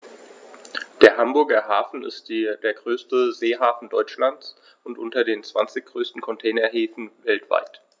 Der Hamburger Hafen ist der größte Seehafen Deutschlands und unter den zwanzig größten Containerhäfen weltweit.